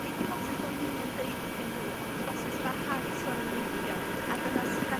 nid proses o ni yn deud wrthyn nhw ond proses barhaus o ryngweithio a dyna sud 'da